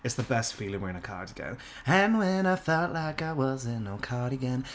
It's the best feeling wearing a cardigan and when I felt like I was in a cardigan.